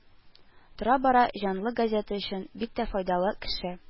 Тора-бара җанлы газета өчен бик тә файдалы кеше